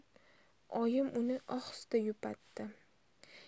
oyim uni ohista yupatdi